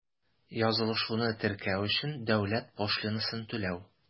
Язылышуны теркәү өчен дәүләт пошлинасын түләү.